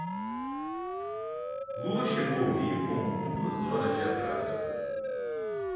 lula chegou ao rio com duas horas de atraso